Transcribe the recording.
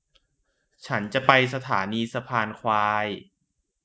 ฉันจะไปสถานีสะพานควาย